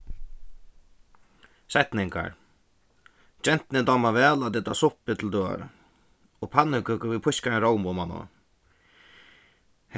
setningar gentuni dámar væl at eta suppu til døgurða og pannukøkur við pískaðum róma omaná